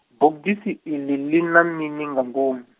bogisi iḽi lina mini nga ngomu?